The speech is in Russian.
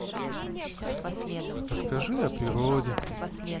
расскажи о природе